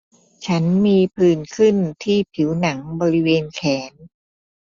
ฉันมีผื่นขึ้นที่ผิวหนังบริเวณแขน